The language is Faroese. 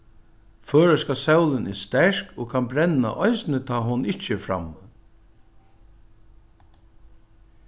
føroyska sólin er sterk og kann brenna eisini tá hon ikki er frammi